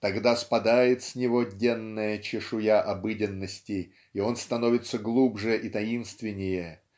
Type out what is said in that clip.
Тогда спадает с него денная чешуя обыденности и он становится глубже и таинственнее